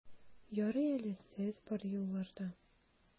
Ярый әле сез бар юлларда!